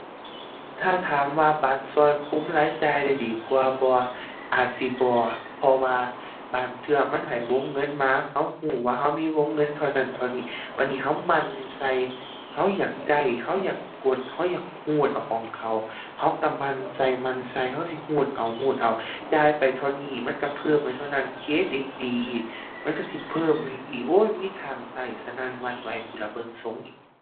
ถ้าถามว่าบัตรช่วยคุมรายจ่ายได้ดีกว่าบ่ อาจสิบ่ เพราะว่าบางเทื่อมันให้วงเงินมา ช่วยช่วยว่าช่วยมีวงเงินเท่านั้นเท่านี้ บัดนี้ช่วยหมั่นใส่ ช่วยอยากได้ ช่วยอยากกด ช่วยอยากช่วยเอาของเขา ช่วยช่วยหมั่นใส่ หมั่นใส่ ช่วยสิช่วยเอา ช่วยเอา จ่ายไปเท่านี้ มันช่วยเพิ่มไปเท่านั้น เครดิตดีอีก มันช่วยสิเพิ่มให้อีก โอ้ย มีทางช่วยสนั่นหวั่นไหวพู้นล่ะ เบิ่งทรงหนิ